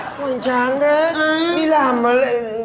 hoành tráng thế đi làm mà lại